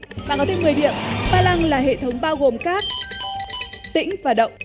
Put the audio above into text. bạn có thêm mười điểm pha lang là hệ thống bao gồm các tĩnh và động